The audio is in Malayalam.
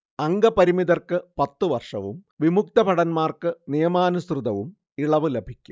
അംഗപരിമിതർക്ക് പത്ത് വർഷവും വിമുക്തഭടന്മാർക്ക് നിയമാനുസൃതവും ഇളവ് ലഭിക്കും